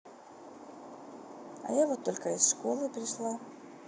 а я вот только что из школы пришла